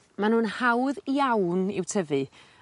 Ma' nw'n hawdd iawn i'w tyfu